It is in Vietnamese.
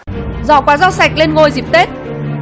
giỏ quà rau sạch lên ngôi dịp tết